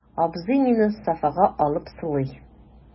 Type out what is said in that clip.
Абзый мине софага алып сылый.